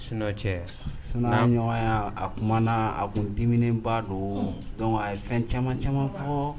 Sun cɛ sunjata ɲɔgɔnya a tumaumana a tun diminbaa don dɔn a ye fɛn caman caman fɔ